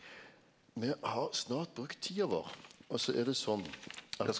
me har snart brukt tida vår og så er det sånn at.